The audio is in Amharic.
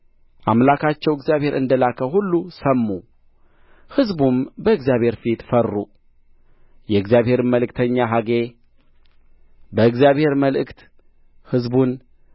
አምላካቸው እግዚአብሔር እንደ ላከው ሁሉ ሰሙ ሕዝቡም በእግዚአብሔር ፊት ፈሩ የእግዚአብሔርም መልእክተኛ ሐጌ በእግዚአብሔር መልእክት ሕዝቡን